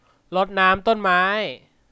รดน้ำต้นไม้